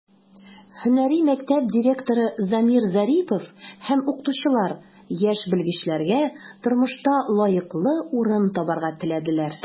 Һөнәри мәктәп директоры Замир Зарипов һәм укытучылар яшь белгечләргә тормышта лаеклы урын табарга теләделәр.